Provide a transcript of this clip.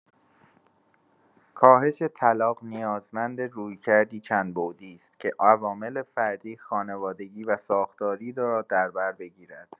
کاهش طلاق نیازمند رویکردی چندبعدی است که عوامل فردی، خانوادگی و ساختاری را در بر بگیرد.